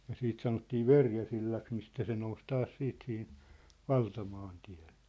ja sitten sanottiin Verjäsillaksi mistä se nousi taas sitten siihen valtamaantielle